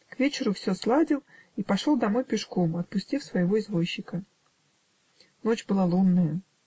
к вечеру все сладил и пошел домой пешком, отпустив своего извозчика. Ночь была лунная.